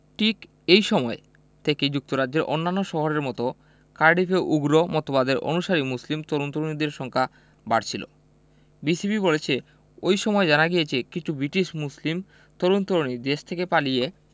ঠিক এই সময় থেকে যুক্তরাজ্যের অন্যান্য শহরের মতো কার্ডিফেও উগ্র মতবাদের অনুসারী মুসলিম তরুণ তরুণীদের সংখ্যা বাড়ছিল বিসিবি বলেছে ওই সময় জানা গিয়েছে কিছু ব্রিটিশ মুসলিম তরুণ তরুণী দেশ থেকে পালিয়ে